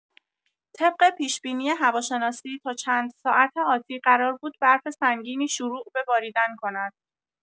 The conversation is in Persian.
طبق پیش‌بینی هواشناسی تا چند ساعت آتی قرار بود برف سنگینی شروع به باریدن کند.